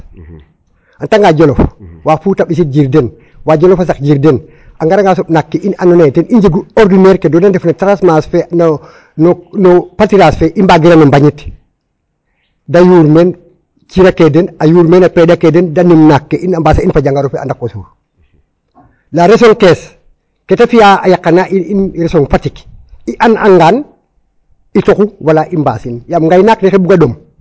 O retanga Jolof wa Fuuta ɓisiid jir den wa jolof a saq jir den a ngaranga soɓ naak ke in andoona yee ten i njegu or maire ke no i mbaagiran o mbanñit da yuur meen a cir a ke den da yuur meen peeƭ ake den da num naak ke in a mbaasa in fo jangaru fe a ndako suur ga'a région Thiès ke ta fi'aa a yaqana in, in région Fatick i andangaan i toxu wala i mbaasin yaam ngaynaak ne xay bug a ɗom.